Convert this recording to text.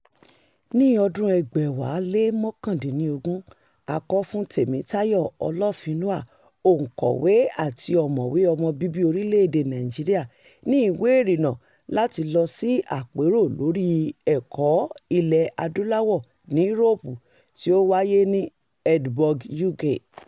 Ní ọdún-un 2019, a kò fún Tèmítáyọ̀ Ọlọ́finlúà, òǹkọ̀wé àti ọ̀mọ̀wé ọmọbíbí orílẹ̀-èdèe Nàìjíríà, ní ìwé ìrìnnà láti lọ sí Àpérò Lórí Ẹ̀kọ́ Ilẹ̀ Adúláwọ̀ ní Éróòpù tí ó wáyé ní Edinburgh, UK.